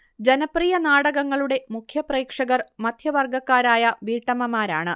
ജനപ്രിയ നാടകങ്ങളുടെ മുഖ്യ പ്രേക്ഷകർ മധ്യവർഗക്കാരായ വീട്ടമ്മമാരാണ്